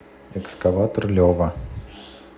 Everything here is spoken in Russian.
экскаватор лева